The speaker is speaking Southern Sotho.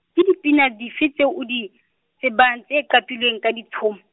ke dipina dife tseo o di, tsebang, tse qapilweng ka ditshom-.